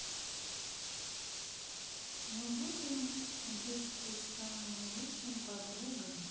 мы будем детский с самыми лучшими подругами